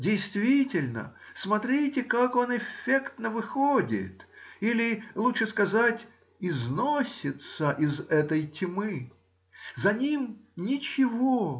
Действительно, смотрите, как он эффектно выходит, или, лучше сказать, износится, из этой тьмы за ним ничего